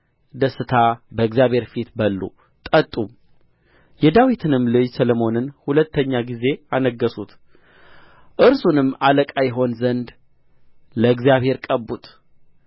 ደስታ በእግዚአብሔር ፊት በሉ ጠጡም የዳዊትንም ልጅ ሰሎሞንን ሁለተኛ ጊዜ አነገሡት እርሱንም አለቃ ይሆን ዘንድ ለእግዚአብሔር ቀቡት